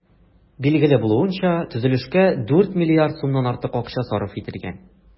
Билгеле булуынча, төзелешкә 4 миллиард сумнан артык акча сарыф ителгән.